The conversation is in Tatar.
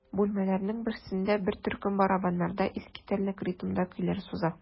Бүлмәләрнең берсендә бер төркем барабаннарда искитәрлек ритмда көйләр суза.